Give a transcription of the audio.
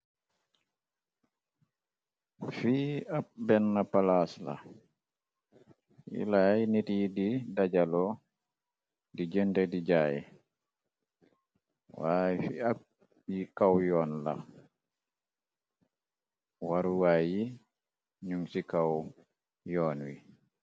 Fi ab benn palos la, yilaay nit yi di dajalo, di jënte, di jaay, wy fi ab yi kaw yoon la, waruwaay yi ñuŋ ci kaw yoon wi.